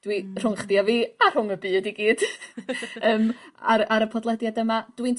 Dwi... Rhwng chdi a fi a rhwng y byd i gyd yym ar ar y podlediad yma dwi'n